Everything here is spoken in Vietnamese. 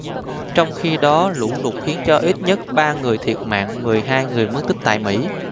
trong khi đó lũ lụt khiến cho ít nhất ba người thiệt mạng mười hai người mất tích tại mỹ